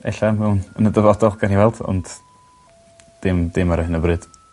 Ella mewn yn y dyfodol gawn ni weld ont dim dim ar hyn o bryd.